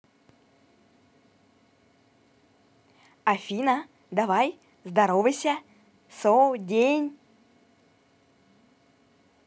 афина давай здоровайся со день